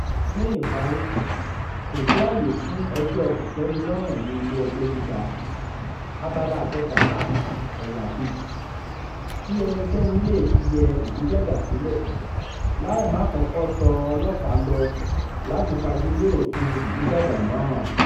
Ní ìparí, “kò sí àyè fún ẹjọ́ọ kò tèmi lọ́rùn ní Ilé-ẹjọ́ Gíga” [Abala 13(2)] tí eẹnikẹ́ni lè fi yẹ ìdígàgá sílẹ̀ láì máà kọ́kọ́ tọ ọlọ́pàá lọ láti fagilé òfin ìdígàgá náà.